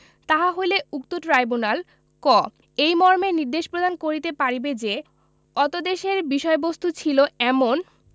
তাহা হইলে উক্ত ট্রাইব্যুনাল ক এই মর্মে নির্দেশ প্রদান করিতে পারিবে যে অতদেশের বিষয়বস্তু ছিল এমন